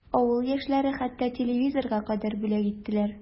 Авыл яшьләре хәтта телевизорга кадәр бүләк иттеләр.